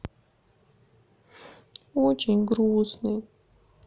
очень грустный